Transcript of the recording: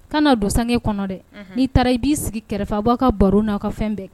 Kaana don san kɔnɔ dɛ n'i taara i b'i sigi kɛrɛfɛ bɔ ka baro n'a ka fɛn bɛɛ